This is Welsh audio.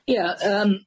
Ia, yym.